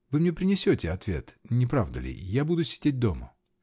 Вы мне принесете ответ, не правда ли? Я буду сидеть дома.